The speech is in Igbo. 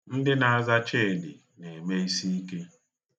Ndị na-aza Chidị na-eme isiike.